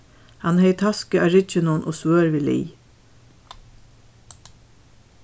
hann hevði tasku á rygginum og svørð við lið